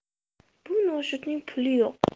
bu noshudning puli yo'q